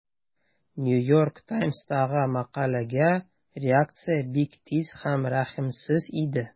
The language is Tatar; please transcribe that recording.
New York Times'тагы мәкаләгә реакция бик тиз һәм рәхимсез иде.